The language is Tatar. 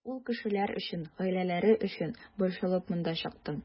Ул кешеләр өчен, гаиләләре өчен борчылып монда чыктым.